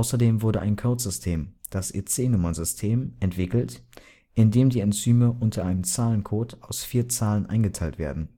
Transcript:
Außerdem wurde ein Codesystem, das EC-Nummern-System, entwickelt, in dem die Enzyme unter einem Zahlencode aus vier Zahlen eingeteilt werden